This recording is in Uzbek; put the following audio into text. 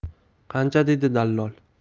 qancha dedi dallol